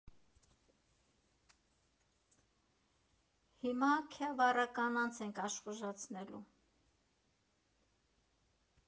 Հիմա Քյավառա կանանց ենք աշխուժացնելու։